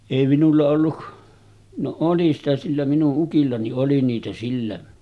ei minulla ollut no oli sitä sillä minun ukilla niin oli niitä sillä